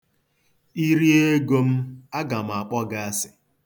I rie ego m, aga m akpọ gị asị.